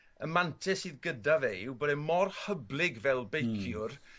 y mantes sydd gyda fe yw bod e mor hyblyg fel beiciwr